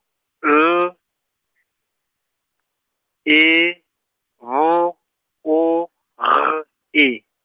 L, E, B, O G E.